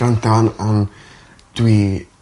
...granda a'n a'n dwi